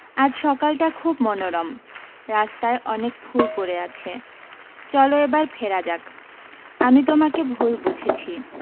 আজ সকালটা খুব মনোরম রাস্তায় অনেক ফুল পড়ে আছে চলো এবার ফেরা যাক আমি তোমাকে ভুল বুঝেছি